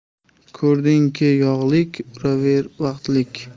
ko'rdingki yog'lik uraver vaqtlik